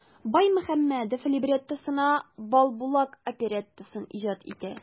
Баймөхәммәдев либреттосына "Балбулак" опереттасын иҗат итә.